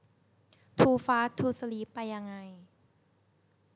ทูฟาสต์ทูสลีบไปยังไง